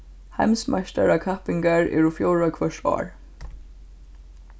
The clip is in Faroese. heimsmeistarakappingar eru fjórða hvørt ár